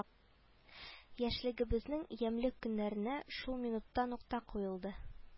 Яшьлегебезнең ямьле көннәренә шул минутта нокта куелды